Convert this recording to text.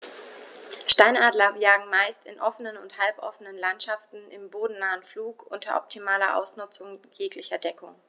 Steinadler jagen meist in offenen oder halboffenen Landschaften im bodennahen Flug unter optimaler Ausnutzung jeglicher Deckung.